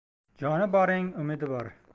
joni borning umidi bor